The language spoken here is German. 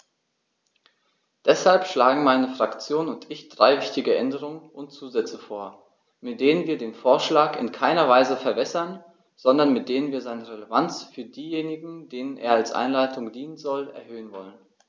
Deshalb schlagen meine Fraktion und ich drei wichtige Änderungen und Zusätze vor, mit denen wir den Vorschlag in keiner Weise verwässern, sondern mit denen wir seine Relevanz für diejenigen, denen er als Anleitung dienen soll, erhöhen wollen.